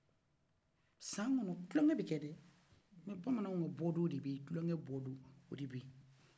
san kɔnɔ kulɔngɛ bɛkɛ dɛ mɛ bamanaw ka bɔ dɔ de bɛyi kulɔgɛ kulɔgɛ bɔ dɔ